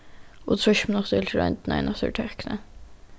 og trýss minuttir til royndina í náttúru og tøkni